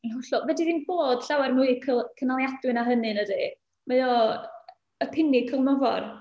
Yn hollol. Fedri di'm bod llawer mwy cyl- cynaliadwy na hynny, na fedri? Mae o y pinnacle mewn ffordd.